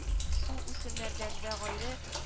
Суүсемнәрдән вә гайре